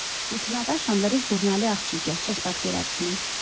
Իսկ Նատաշան լրիվ ժուռնալի աղջիկ էր, չես պատկերացնի։